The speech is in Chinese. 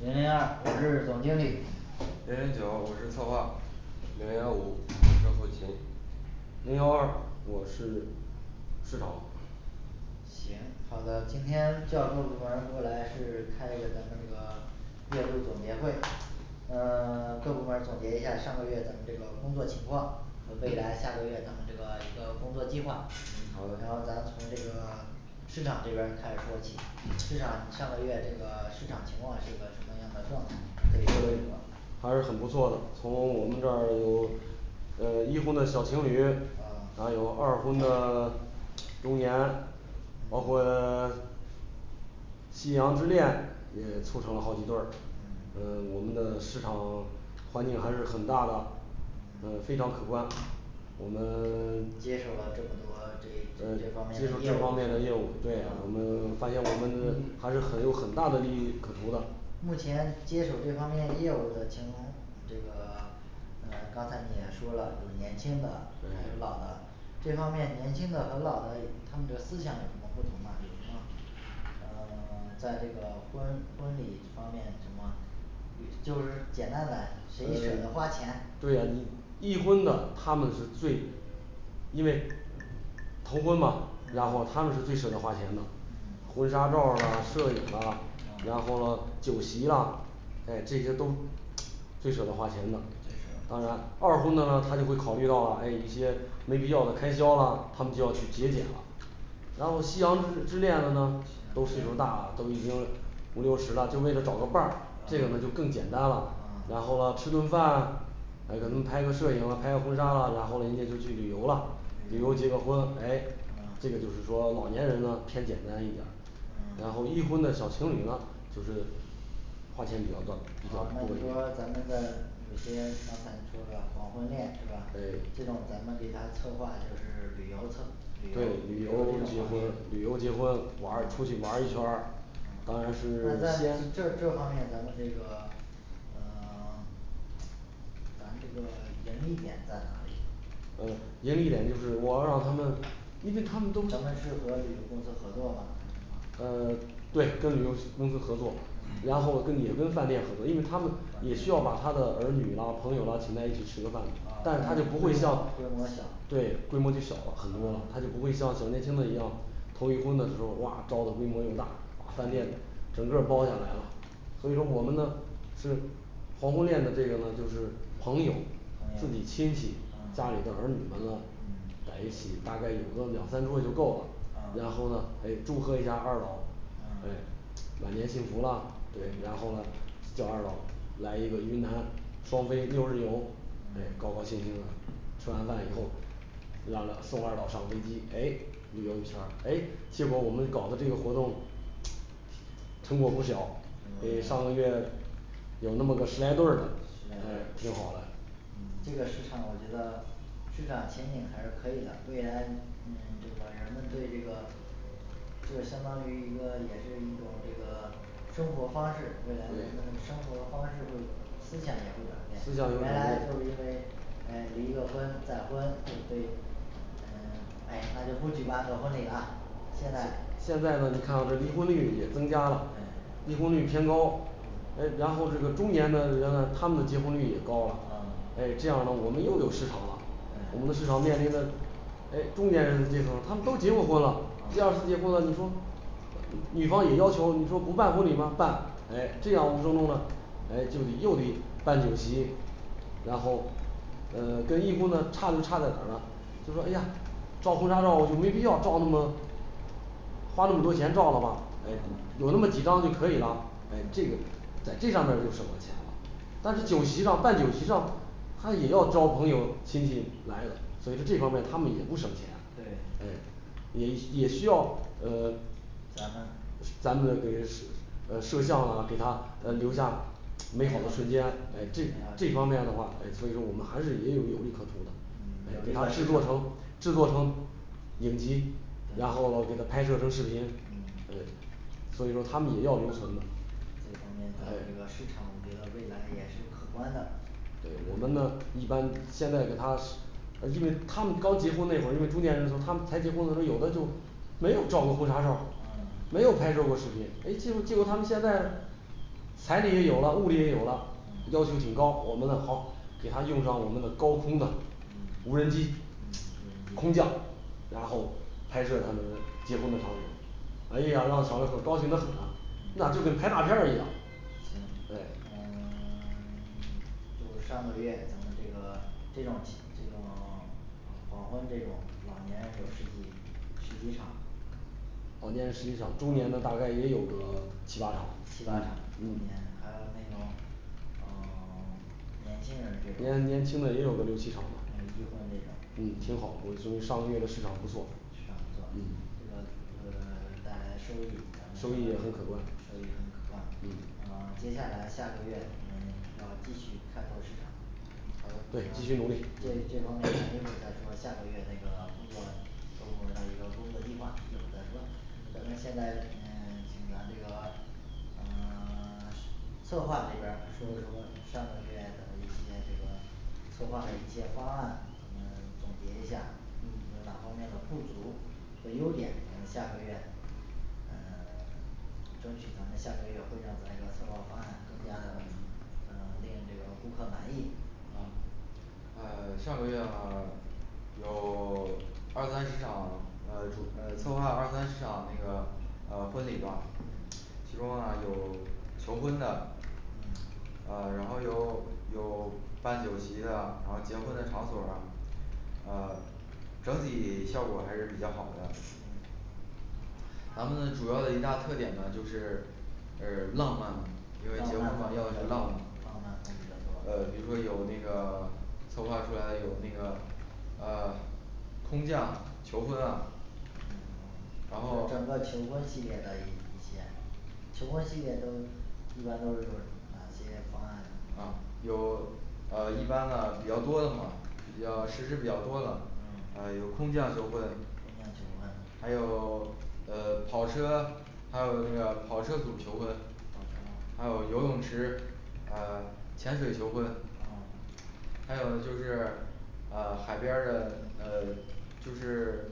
零零二我是总经理零零九我是策划零幺五我是后勤零幺二我是市场行好的今天叫各部门儿过来是开一个咱们这个月度总结会呃 各部门儿总结一下上个月咱们这个工作情况未来下个月咱们这个一个工作计划嗯，好然的后咱从这个市场这边儿开始说起市场上个月这个市场情况是个什么样的状态可以说一说还是很不错的从我们这儿有呃一婚的小情侣啊还有二婚的 中年包嗯括 夕阳之恋也促成了好几对儿嗯呃我们的市场环境还是很大的嗯非常可观我们， 接手了这么多这呃这这方接手这面的业务方面的业务对啊我们发现我们还是很有很大的利益可图的目前接手这方面业务的情这个呃刚才你也说了有年轻的还对有老的，这方面年轻的和老的他们的思想有什么不同吗有什么呃 在这个婚婚礼这方面什么就是简单来谁舍得花呃钱对呀你一婚的他们是最因为头婚嘛啊然后他们是最舍得花钱的嗯婚纱照儿啦摄影啦然后啦酒席啦诶这些都 最舍得花钱的当然二婚的呢他就会考虑到啊诶一些没必要的开销啊他们就要去节俭了然后夕阳之之恋的夕阳呢都岁数儿大之恋了都已经五六十了就为了找个伴儿这嗯个就更简单了啊然后啦吃顿饭还给他们拍个摄影啦拍婚纱啦然后人家就去旅游啦旅游旅结个游婚诶嗯这个就是说老年人呢偏简单一点儿嗯然后一婚的小情侣呢就是花钱比较造哦那你说咱们在有些刚才你说了黄昏恋是吧对这种咱们给他策划就是旅游策对旅旅游游结婚旅旅游这种方式游结婚玩儿出去玩儿一圈儿当然那是咱先这这方面咱们这个呃咱这个盈利点在哪里嗯盈利点就是我要让他们因为他咱们都们是和旅游公司合作吗还是怎么嗯对跟旅游公司合作然后跟也跟饭店合作因为他们也需要把他的儿女啦朋友啦请在一起吃个饭但是他就不会像规模小对规模就小了很多了他就不会像小年轻的一样头一婚的时候哇招的规模把大饭店整个儿包下来了所以说我们呢是黄昏恋的这个呢就是朋友朋自己友亲戚嗯家里的儿女们呢嗯在一起大概有个两三桌儿就够嗯了，然后呢诶祝贺一下儿二老嗯诶晚年幸福啦对然后了叫二老来一个云南双飞六日游诶高高兴兴的吃完饭以后让送二老上飞机诶旅游一圈儿诶结果我们搞的活动 成果不小给上上个个月月有那么个十来对儿的十诶来对儿挺好的嗯这个市场我觉得市场前景还是可以的未来嗯这个人们对这个就相当于一个也是一种这个生活方式未来人对们那个生活方式会思想也会转变思原想也会来转就变是因为诶离个婚再婚就对嗯诶那就不举办个婚礼啦现在现在呢你看啊这离婚率也增加了嗯离婚率偏高诶然后这个中年呢人呢他们的结婚率也高了嗯诶这样呢我们又有市场了我们的市对场面临呢诶中年人的阶层他们都结过婚了第二次结啊婚呢你说女方也要求你说不办婚礼吗办诶这样无声中嗯呢诶就得又得办酒席然后嗯跟一婚呢差就差在哪儿了就说哎呀照婚纱照就没必要照那么花那么多钱照了吧诶有那么几张就可以了诶这个在这上嗯边儿就省了钱了但是酒席上嗯办酒席上他也要招朋友亲对戚来了所以说这方面他们也不省钱对诶也也需要呃咱们咱们给嗯是 呃摄像啊给对对他呃留下美美好好的的记瞬美间好诶的这这记方面的话忆所以说我们还是也有有利可图的有给这他个制市作场成制作成影集然后对呢给他们拍摄成视频嗯对所以说他们也要留存的这方面咱们这诶个市场我觉得未来也是可观的对我们呢一般现在给他是呃因为他们刚结婚那会儿因为中年人时候儿他们才结婚的时候儿有的就没有照过婚纱照儿嗯没有拍摄过视频诶结果结果他们现在财力也有了物力也有了嗯要求挺高我们呢好给他用上我们的高空的嗯无人机嗯空无人机降然后拍摄他们结婚的场景诶呀高兴地很呐嗯那就跟拍大片儿一样行对嗯 就上个月可能这个这种情 这种黄婚这种老年人有十几十几场老年人十几场中年人的大概也有个七八场七八场中年嗯还有那种啊 年轻人儿这年种年轻的也有个六七场嗯吧，一婚这种嗯挺好因为上个月的市场不错市场不错这嗯个呃带来收益你们收上个益月也很可观收益很可观那嗯么接下来下个月我们要继续开拓市场嗯，对继这续这努方力面咱一会儿在 说下个月那个工作各部门儿的一个工作计划一会儿再说咱们现在嗯请咱这个嗯 是策划这边儿说一说上个月的一些这个策划的一些方案嗯 总结一下嗯有哪方面的不足 和优点咱们下个月呃 争取咱们下个月会让咱的策划方案更加的啊 令这个顾客满意啊嗯 上个月呢 有 二三十场呃主嗯策划二三十场那个呃婚礼吧嗯其中啊有 求婚的嗯啊然后有有办酒席啊然后结婚的场所儿啊啊 整体 效果还是比较好的咱们呢主要的一大特点呢就是这儿浪漫有人结浪婚的漫话风比要较的是浪多漫浪漫风比较多呃比如说有那个策划出来有那个啊空降求婚啊，空降求婚然后整个求婚系列的一一些求婚系列都一般都是有哪些方案呢啊有 啊，一般的比较多的嘛比较实施比较多了嗯啊，有空降求婚空降求婚还有 呃跑车还有什么呀跑车组求婚还有游泳池啊 潜水求婚啊还有呢就是啊海边儿这嗯就是